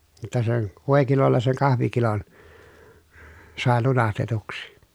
jotta sen voikilolla sen kahvikilon sai lunastetuksi